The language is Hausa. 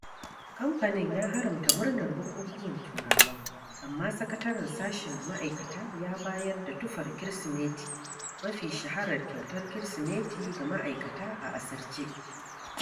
Kamfanin ya haramta murnar bukukuwan Turawa. Amma sakataren sashen ma'aikata ya bayar da tufar Kirsimeti [mafi shaharar kyautar Kirsimeti] ga ma'aikata a asirce.